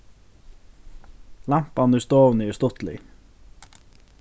lampan í stovuni er stuttlig